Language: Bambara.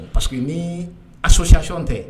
Parceseke ni asonsiyayɔn tɛ